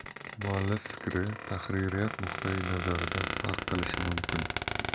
muallif fikri tahririyat nuqtai nazaridan farq qilishi mumkin